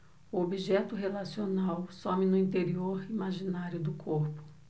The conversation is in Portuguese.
o objeto relacional some no interior imaginário do corpo